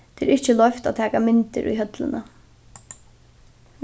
tað er ikki loyvt at taka myndir í høllini